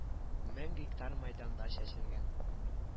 Мең гектар мәйданда чәчелгән